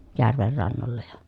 järven rannoilla ja